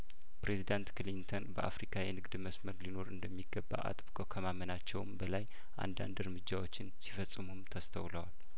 ፕሬዝዳት ክሊንተን በአፍሪካ የንግድ መስመር ሊኖር እንደሚገባ አጥብ ቀው ከማመ ናቸውም በላይ አንዳንድ እርምጃዎችን ሲፈጽሙም ተስተውለዋል